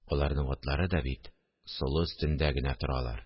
Аларның атлары да бит солы өстендә генә торалар